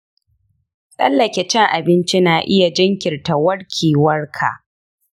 tsallake cin abinci na iya jinkirta warkewarka.